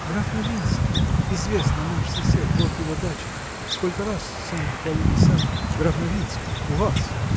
граф Новинский, известно, наш сосед вот его дача сколько раз сами хвалили сад! – Граф Новинский! у вас!